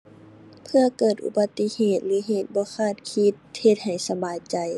เผื่อเกิดอุบัติเหตุหรือเหตุบ่คาดคิด เฮ็ดให้สบายใจ